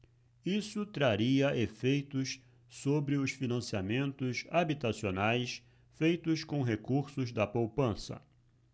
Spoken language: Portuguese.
isso traria efeitos sobre os financiamentos habitacionais feitos com recursos da poupança